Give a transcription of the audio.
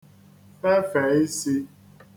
fefe īsī